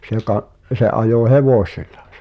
se - se ajoi hevosilla